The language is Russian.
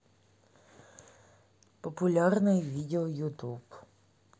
популярное видео ютуб